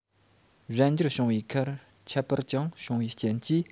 གཞན འགྱུར བྱུང བའི ཁར ཁྱད པར ཀྱང བྱུང བའི རྐྱེན གྱིས